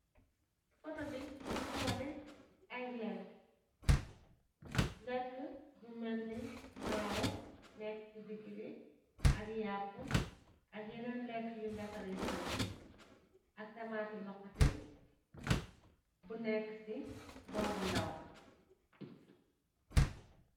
Foto bi mungi wane ay leekë, leekë bu melni maalo, neekë si digibi, ak yaapu ak yenen leekë bu ñu defare fariñg ak tamaate luxati bu neekë si bool bu ndaw.